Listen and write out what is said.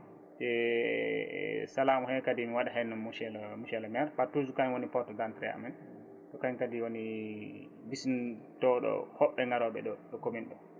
e salamu he kadi mi waɗa hen monsieur monsieur le maire par ce que toujours kañum woni porte d' identité amen ko kañum kadi woni bismitoɗo hoɓɓe garoɓe ɗo ɗo commune ɗo